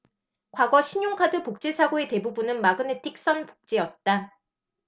과거 신용카드 복제 사고의 대부분은 마그네틱선 복제였다